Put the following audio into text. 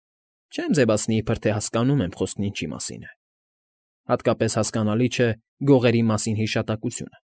Չեմ ձևացնի, իբրև թե հասկանում եմ, խոսքն ինչի մասին է. հատկապես հասկանալի չէ գողերի մասին հիշատակությունը։